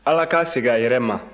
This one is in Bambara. ala k'a segin e yɛrɛ ma